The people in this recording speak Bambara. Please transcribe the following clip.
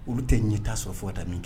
Olu tɛ ɲɛ ta sɔrɔ fota min kɛ